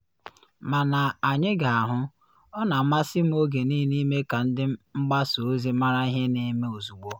Mana anyị ga-ahụ, ọ na amasị m oge niile ịme ka ndị mgbasa ozi mara ihe na eme ozugbo.”